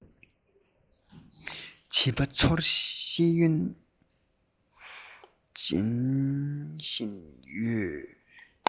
བྱིས པ ཚོར ཤེས ཡོན སྦྱིན བཞིན ཡོད